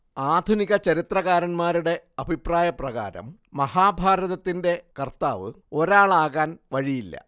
ആധുനിക ചരിത്രകാരന്മാരുടെ അഭിപ്രായപ്രകാരം മഹാഭാരതത്തിന്റെ കർത്താവ് ഒരാളാകാൻ വഴിയില്ല